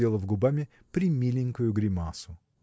сделав губами премиленькую гримасу.